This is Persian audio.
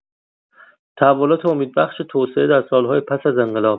تحولات امیدبخش توسعه در سال‌های پس از انقلاب